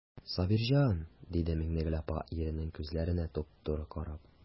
Сабирҗан,– диде Миннегөл апа, иренең күзләренә туп-туры карап.